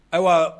Ayiwa